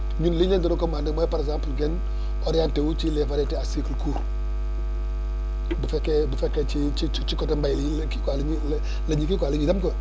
ñun li ñu leen di recommandé mooy par exemple ngeen orienté wu ci les variétés à cycle court bu fekkee bu fekkee ci ci ci côté mbay yi la kii quoi la la ñu kii quoi la ñu dem quoi